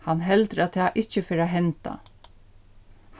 hann heldur at tað ikki fer at henda